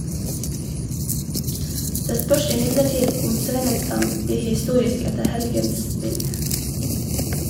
Det spørs imidlertid om Sörenstam blir historisk etter helgens spill.